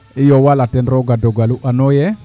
iyo wala ten roog a dogalu anoo ye